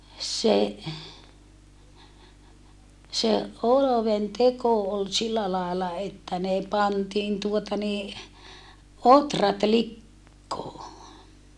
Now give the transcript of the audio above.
se se oluenteko oli sillä lailla että ne pantiin tuota niin ohrat likoon